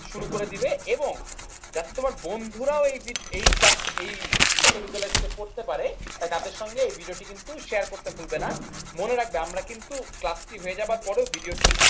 শুরু করে দিবে এবং যাতে তোমার বন্ধুরা ও এই বিশ্ববিদ্যালয়টি তে পড়তে পারে তাই তাদের সঙ্গে এ ভিডিওটি কিন্তু শেয়ার করতে ভুলবে না মনে রাখবে আমরা কিন্তু ক্লাস টি হয়ে যাবার পরে ভিডিওটি